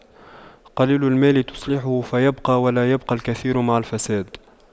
قليل المال تصلحه فيبقى ولا يبقى الكثير مع الفساد